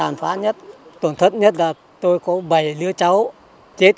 tàn phá nhất tổn thất nhất là tôi có bảy đứa cháu chết